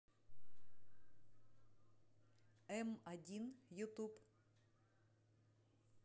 м один ютуб